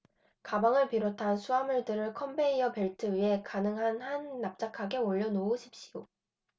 가방을 비롯한 수하물들을 컨베이어 벨트 위에 가능한 한 납작하게 올려놓으십시오